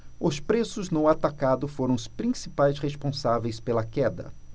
os preços no atacado foram os principais responsáveis pela queda